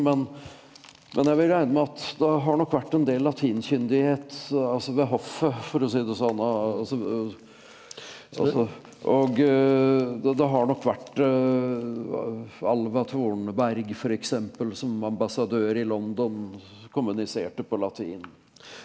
men men jeg vil regne med at det har nok vært en del latinkyndighet altså ved hoffet for å si det sånn altså altså og det har nok vært Alva Tornberg f.eks. som ambassadør i London kommuniserte på latin.